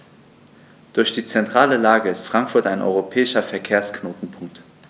Durch die zentrale Lage ist Frankfurt ein europäischer Verkehrsknotenpunkt.